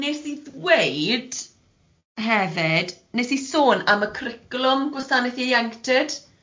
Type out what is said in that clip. Wnes i ddweud hefyd wnes i sôn am y cwricwlwm Gwasanaeth Ieuenctid